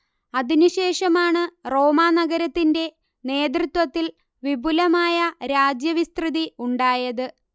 അതിനുശേഷമാണ് റോമാനഗരത്തിന്റെ നേതൃത്വത്തിൽ വിപുലമായ രാജ്യവിസ്തൃതി ഉണ്ടായത്